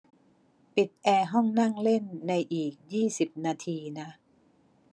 ปิดแอร์ห้องนั่งเล่นในอีกยี่สิบนาทีนะ